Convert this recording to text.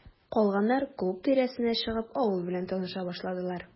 Калганнар, клуб тирәсенә чыгып, авыл белән таныша башладылар.